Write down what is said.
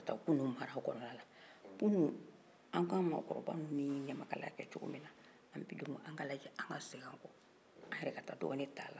kunu an ka maa kɔrɔba ninnu ye ɲamakalaya kɛ cogo min na anw bi denw anw yɛrɛ k'a lajɛ en ka segin an kɔ an yɛrɛ ka ta dɔ t'ala an ka segin an fa siya ma